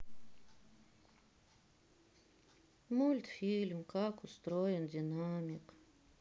мультфильм как устроен динамик